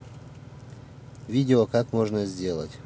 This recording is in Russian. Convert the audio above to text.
видео как можно сделать